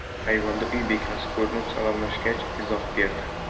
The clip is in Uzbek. ayvonda uy bekasi ko'rinib salomlashgach izoh berdi